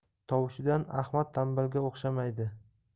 tovushidan ahmad tanbalga o'xshamaydi